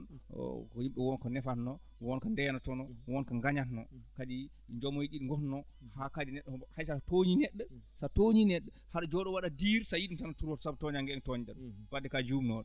o ko yimɓe won ko nefatnoo won ko ndeenotonoo won ko ngañatnoo kadi jomom ɗi ngomno haa kadi neɗɗo hay so a tooñii neɗɗo so a tooñii neɗɗo haɗa jooɗoo waɗa dure so a yiyii ɗum tan a turoto sabu toñangge nde tooñɗaa wadde ko juumnooɗo